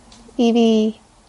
I fi